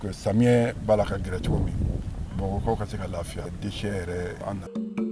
bon samiɲɛ b'a la ka gɛrɛ cogo min Bamakɔkaw ka se ka lafiya dechets yɛrɛ. an